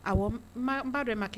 Ba dɔ ma kelen